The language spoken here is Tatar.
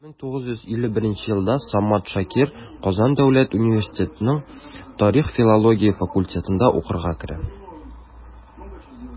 1951 елда самат шакир казан дәүләт университетының тарих-филология факультетына укырга керә.